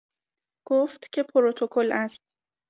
گفت که پروتکل است